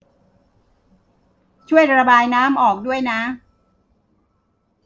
ช่วยระบายน้ำออกด้วยนะ